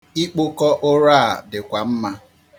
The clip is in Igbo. Ịkpokọ ụrọ a dịkwa mma.